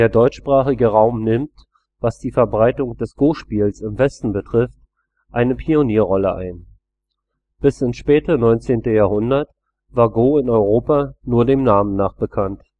deutschsprachige Raum nimmt, was die Verbreitung des Go-Spiels im Westen betrifft, eine Pionierrolle ein. Bis ins späte 19. Jahrhundert war Go in Europa nur dem Namen nach bekannt